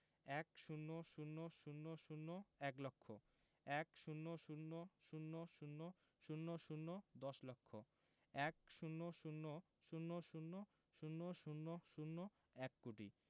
১০০০০০ এক লক্ষ ১০০০০০০ দশ লক্ষ ১০০০০০০০ এক কোটি